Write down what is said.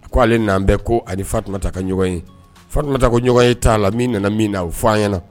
A ko ale n'an bɛɛ ko ani fa tunta ka ɲɔgɔn ye faturata ko ɲɔgɔn ye t'a la min nana min na u fɔ an ɲɛna